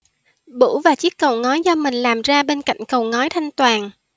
bửu và chiếc cầu ngói do mình làm ra bên cạnh cầu ngói thanh toàn